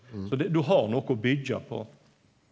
så det du har noko å byggja på.